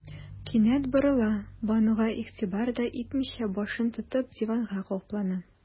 Кинәт борыла, Бануга игътибар да итмичә, башын тотып, диванга каплана.